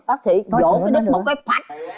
bác sĩ vỗ cái đít một cái pạch